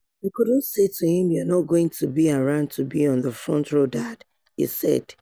"I couldn't say to him 'you're not going to be around to be on the front row dad'," he said.